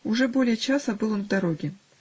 Уже более часа был он в дороге.